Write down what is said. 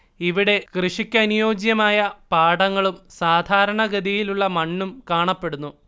ഇവിടെ കൃഷിക്കനുയോജ്യമായ പാടങ്ങളും സാധാരണ ഗതിയിലുള്ള മണ്ണും കാണപ്പെടുന്നു